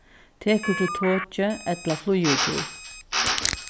tekur tú tokið ella flýgur tú